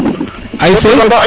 ASC